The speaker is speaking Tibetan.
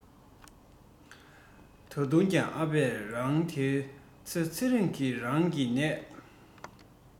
ད དུང ཀྱང ཨ ཕས རང དེའི ཚེ ཚེ རིང གི རང གི གནད